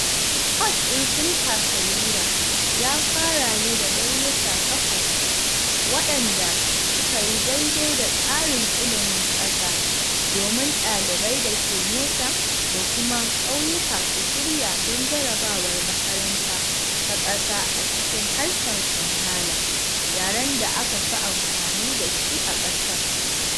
Kwas ɗin Shilpa Sayura ya fara ne da darussa takwas waɗanda suka yi daidai da tsarin ilimin ƙasa, domin ɗalibai dake nesa da kuma ƙauyuka su shirya don jarabawar makaranta ta ƙasa a cikin harshen Sinhala, yaren da aka fi amfani dashi a ƙasar.